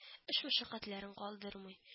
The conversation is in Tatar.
Эш-мәшәкатын калдырмый